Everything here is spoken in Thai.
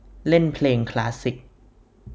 เล่นเพลงคลาสสิค